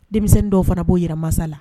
Denmisɛnnin dɔw fana bo jira mansa la